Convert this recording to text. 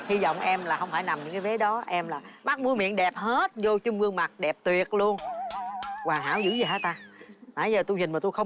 hi vọng em là không phải làm những cái vế đó em là mắt mũi miệng đẹp hết dô trong gương mặt đẹp tuyệt luôn hoàn hảo dữ vậy hả tại nãy giờ tui nhìn mà tui không